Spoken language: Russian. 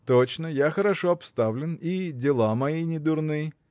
Точно, я хорошо обставлен, и дела мои недурны.